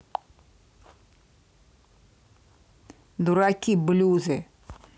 дураки блюзы